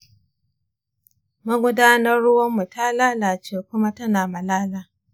magudanar ruwan mu ta lalace kuma tana malala.